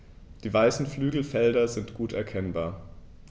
Die weißen Flügelfelder sind gut erkennbar.